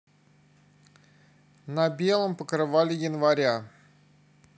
на белом покрывале января